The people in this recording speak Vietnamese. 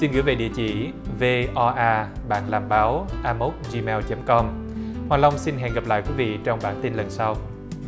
xin gửi về địa chỉ vê o a bạn làm báo a mốc gi meo chấm com hoàng long xin hẹn gặp lại quý vị trong bản tin lần sau